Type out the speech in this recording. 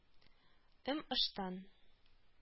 Өм - ыштан